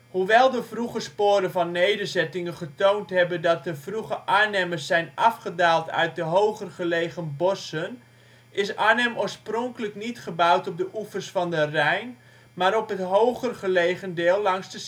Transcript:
Hoewel de vroege sporen van nederzettingen getoond hebben dat de vroege Arnhemmers zijn afgedaald uit de hoger gelegen bossen, is Arnhem oorspronkelijk niet gebouwd op de oevers van de Rijn, maar op het hoger gelegen deel langs de